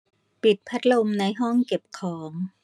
ปิดพัดลมในห้องเก็บของ